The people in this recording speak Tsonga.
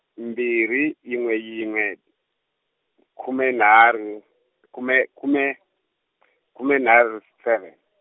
mbirhi, yinwe yinwe, khume nharhu, khume khume , khume nharhu seven.